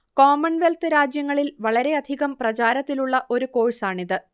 Commonwealth രാജ്യങ്ങളിൽ വളരെയധികം പ്രചാരത്തിലുള്ള ഒരു കോഴ്സാണിത്